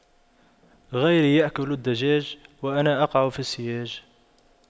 غيري يأكل الدجاج وأنا أقع في السياج